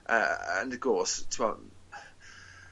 yy yn dy go's t'mo